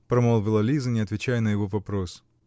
-- промолвила Лиза, не отвечая на его вопрос.